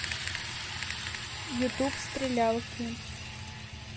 ютуб стрелялки